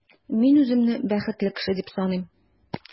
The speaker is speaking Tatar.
Мин үземне бәхетле кеше дип саныйм.